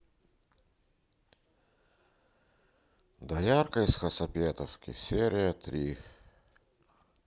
доярка из хацапетовки серия три